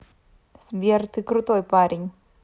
сбер ты крутой парень